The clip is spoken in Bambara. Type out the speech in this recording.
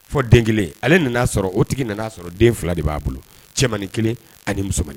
Fɔ den kelen ale nana'a sɔrɔ o tigi nana'a sɔrɔ den fila de b'a bolo cɛmannin kelen ani musoman